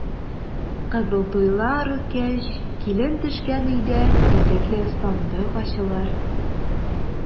Кызыл туйлар үткәч, килен төшкән өйдә бизәкле сандык ачылыр.